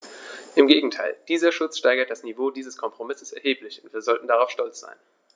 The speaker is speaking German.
Im Gegenteil: Dieser Schutz steigert das Niveau dieses Kompromisses erheblich, und wir sollten stolz darauf sein.